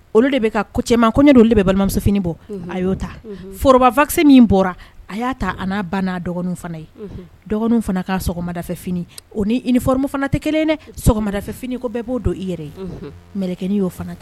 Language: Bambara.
De cɛ ko ne don bɛ balimamusof bɔ a y'o ta forobafakisɛ min bɔra a y'a ta n'a ba n'a dɔgɔnin fana ye dɔgɔnin fana k'a sɔgɔmadafɛf o ni nimo fana tɛ kelen dɛ sɔgɔmadafɛf ko bɛɛ b'o don i yɛrɛ mɛrɛ y'o fana tɛ